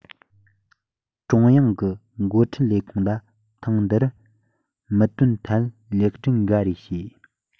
ཀྲུང དབྱང གི འགོ ཁྲིད ལས ཁུངས ལ ཐེངས འདིར མི དོན ཐད ལེགས སྒྲིག འགའ རེ བྱས